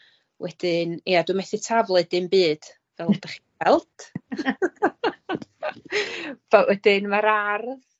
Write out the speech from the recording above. wedyn, ia, dwi methu taflu dim byd, fel dach chi'n gweld. Fel... Wedyn ma'r ardd